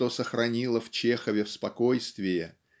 что сохранило в Чехове спокойствие